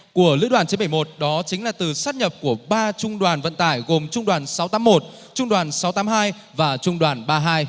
của lữ đoàn chín bẩy một đó chính là từ sáp nhập của ba trung đoàn vận tải gồm trung đoàn sáu tám một trung đoàn sáu tám hai và trung đoàn ba hai